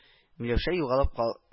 Миләүшә югалып ка